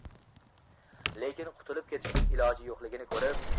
lekin qutulib ketishning iloji yo'qligini ko'rib